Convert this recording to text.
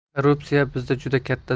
korrupsiya bizga juda katta